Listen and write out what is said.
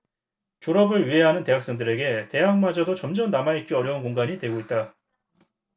졸업을 유예하는 대학생들에게 대학마저도 점점 남아 있기 어려운 공간이 되고 있다